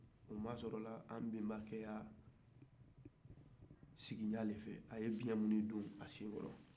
a sɔrɔ la an bɛnbakɛ ka sigicogo de fɛ a ye biɲɛ minnu don a sen kɔrɔ